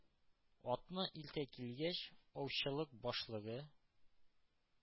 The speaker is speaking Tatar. Атны илтә килгәч, аучылык башлыгы,